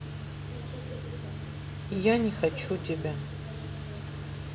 я не хочу тебя